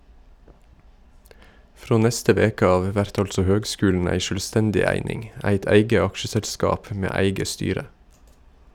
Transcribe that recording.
Frå neste veke av vert altså høgskulen ei sjølvstendig eining , eit eige aksjeselskap med eige styre.